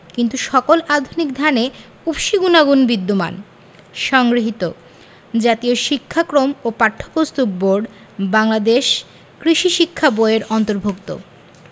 কিন্তু সকল আধুনিক ধানে উফশী গুনাগুণ বিদ্যমান সংগৃহীত জাতীয় শিক্ষাক্রম ও পাঠ্যপুস্তক বোর্ড বাংলাদেশ কৃষি শিক্ষা বই এর অন্তর্ভুক্ত